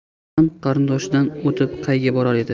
niyoz ham qarindoshidan o'tib qayga borar edi